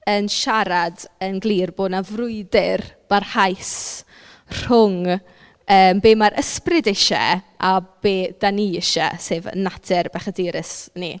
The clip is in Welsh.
Yn siarad yn glir bo' 'na frwydr barhaus rhwng yy be mae'r ysbryd isie, a be dan ni isie, sef natur bechadurus ni.